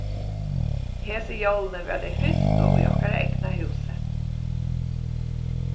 hesi jólini verða tey fyrstu í okkara egna húsi